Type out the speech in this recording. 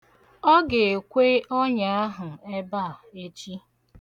Ọ ga-ekwe ọnya ahụ ebe a echi.